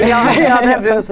ja ja det er brunost.